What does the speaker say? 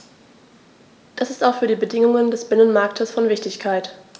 Das ist auch für die Bedingungen des Binnenmarktes von Wichtigkeit.